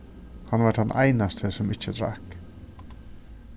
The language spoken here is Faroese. hann var tann einasti sum ikki drakk